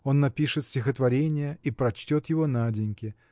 Он напишет стихотворение и прочтет его Наденьке